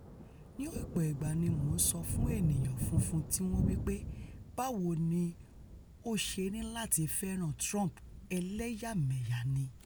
Ní ọ̀pọ̀ ìgbà ní Mo ńsọ fún ènìyàn funfun tíwọn wí pé: ''Báwo ni ó ṣe níláti fẹ́ràn Trump, ẹlẹ́yàmẹ̀yà ni?''